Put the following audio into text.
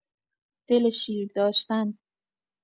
دل شیر داشتن